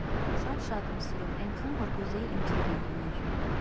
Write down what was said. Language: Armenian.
) շատ֊շատ եմ սիրում, էնքան, որ կուզեի իմ քեռին լիներ։